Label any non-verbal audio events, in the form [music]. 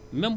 [hesitation] [hesitation]